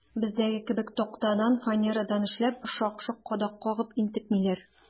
Бездәге кебек тактадан, фанерадан эшләп, шак-шок кадак кагып интекмиләр.